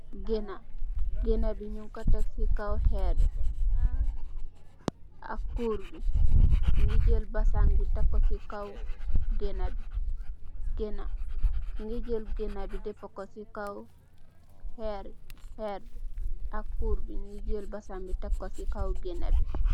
Gehnah, gehnah bii njung kor tek cii kaw hhehrre bii, ak kurrr bii, njungy jeul bahsan bii tek kor chii kaw gehnah bii, gehnah, njungy jeul gehnah bii dehpah kor cii kaw hhehrr, hhehrre bii ak kurrr bii, njungy jeul bahsan bii tek kor cii kaw gehnah bii.